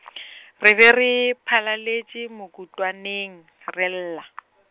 re be re phalaletše mokutwaneng, re lla .